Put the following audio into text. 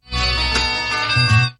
San